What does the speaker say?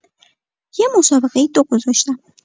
یه مسابقه دو گذاشتم.